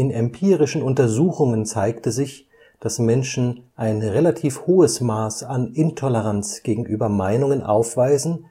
empirischen Untersuchungen zeigte sich, dass Menschen ein relativ hohes Maß an Intoleranz gegenüber Meinungen aufweisen